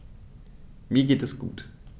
Mir geht es gut.